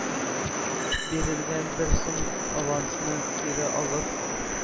Бирелгән бер сум авансны кире алып,